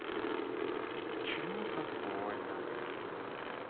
почему так больно